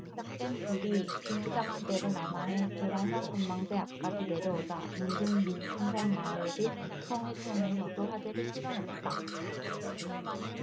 북측에서 시작된 불이 비무장지대를 남하해 도라산전망대 앞까지 내려오자 인근 민통선마을인 통일촌에서도 화재를 실감했다